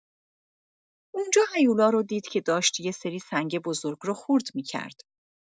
اونجا هیولا رو دید که داشت یه سری سنگ بزرگ رو خورد می‌کرد.